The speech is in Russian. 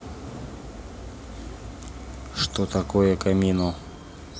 что такое камино